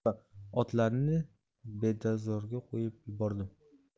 otlarni bedazorga qo'yib yubordim